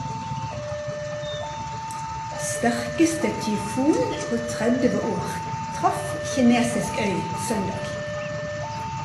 Sterkeste tyfon på 30 år traff kinesisk øy søndag.